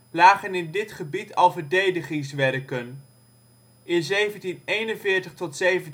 lagen in dit gebied al verdedigingswerken. In 1741 tot 1742